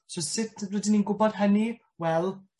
So sut yd- rydyn ni'n gwbod hynny? Wel,